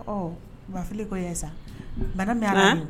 Ɔ wulafi ko yan sisan bana min y'